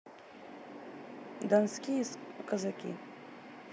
донские казаки